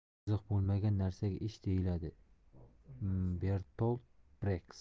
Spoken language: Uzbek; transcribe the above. qiziq bo'lmagan narsaga ish deyiladi bertold brext